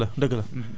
dëgg la dëgg la